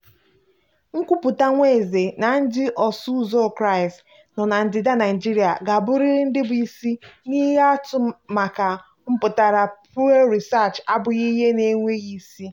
Nkwupụta Nwanze na ndị osoụzo Kraịstị nọ na ndịda Naịjirịa ga-abụrịrị ndị bụ isi n'ihe atụ maka mpụtara Pew Research abụghị ihe na-enweghị isi.